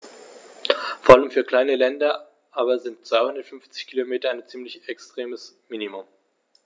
Vor allem für kleine Länder aber sind 250 Kilometer ein ziemlich extremes Minimum.